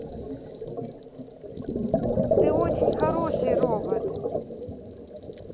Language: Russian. ты очень хороший робот